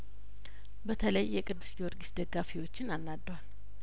በተለይ የቅዱስ ጊዮርጊስ ደጋፊዎችን አናዷል